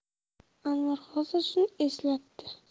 anvar hozir shuni eslatdi